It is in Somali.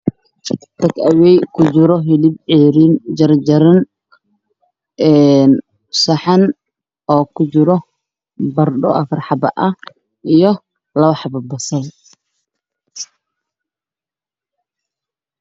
Weel ku jiro hilib ceeyriin ah jar jaran